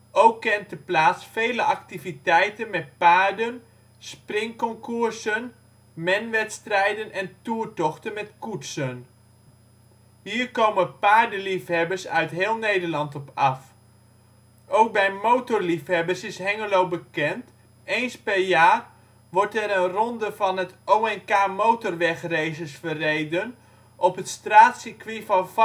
Ook kent de plaats vele activiteiten met paarden: springconcoursen, men-wedstrijden en toertochten met koetsen. Hier komen paardenliefhebbers uit heel Nederland op af. Ook bij motorliefhebbers is Hengelo bekend; eens per jaar wordt er een ronde van het ONK motorwegraces verreden op het straatcircuit de Varsselring